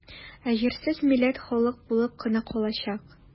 Ә җирсез милләт халык булып кына калачак.